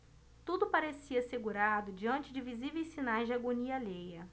tudo parecia assegurado diante de visíveis sinais de agonia alheia